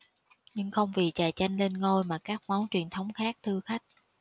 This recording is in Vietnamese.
nhưng không vì trà chanh lên ngôi mà các món truyền thống khác thưa khách